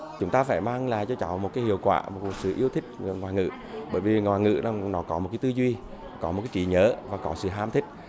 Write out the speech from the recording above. chúng ta phải mang lại cho cháu một cách hiệu quả của sự yêu thích và ngoại ngữ bởi vì ngoại ngữ là nó có một cái tư duy có một cái trí nhớ và có sự ham thích